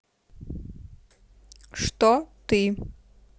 что ты